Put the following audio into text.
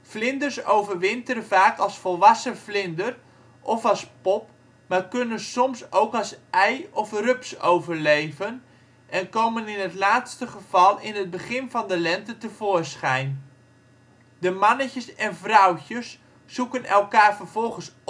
Vlinders overwinteren vaak als volwassen vlinder of als pop maar kunnen soms ook als ei of rups overleven en komen in het laatste geval in het begin van de lente tevoorschijn. De mannetjes en vrouwtjes zoeken elkaar vervolgens